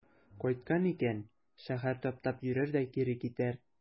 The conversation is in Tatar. Кайткан икән, шәһәр таптап йөрер дә кире китәр.